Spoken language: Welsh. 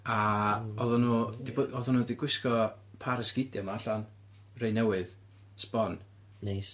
A oddan nw 'di bo- oddan nw 'di gwisgo par esgidia yma allan, rei newydd, sbon. Neis.